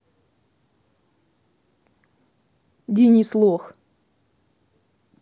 денис лох